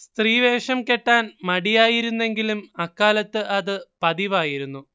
സ്ത്രീവേഷം കെട്ടാൻ മടിയായിരുന്നെങ്കിലും അക്കാലത്ത് അതു പതിവായിരുന്നു